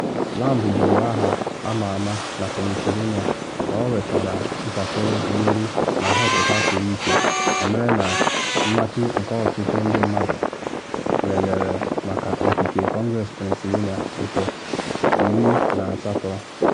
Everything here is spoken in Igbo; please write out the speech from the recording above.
Lamb bụrụ aha ama ama na Pennsylvania ka ọ nwechara ntakịrị mmeri na nhọpụta pụrụ iche emere na Machị nke ọtụtụ ndị mmadụ lelere maka Ogige Kọngress Pennsylvania nke 18th.